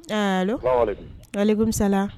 Allo, salam alekum . walekum salam.